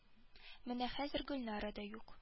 Менә хәзер гөлнара да юк